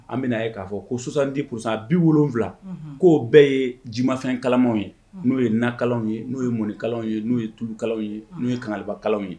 An bɛna k'a fɔ ko 70% ,70;Unhun; ko'o bɛɛ ye jimafɛn kalamaw ye; Unhun; n'o ye na kalanw ye; Unhun; n'o ye mɔni kalan ye; Unhun; N'o ye tulu kalanw ye; Unhun; n'o ye kangaliba kalanw ye.